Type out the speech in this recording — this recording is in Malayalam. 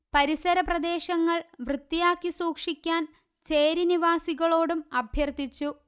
പരിസര പ്രദേശങ്ങൾ വൃത്തിയാക്കി സൂക്ഷിക്കാൻ ചേരി നിവാസികളോടും അഭ്യർഥിച്ചു